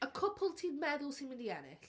Y cwpl ti'n meddwl sy'n mynd i ennill?